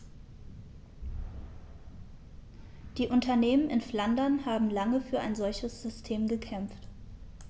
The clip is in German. Die Unternehmen in Flandern haben lange für ein solches System gekämpft.